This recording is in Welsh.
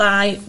hydau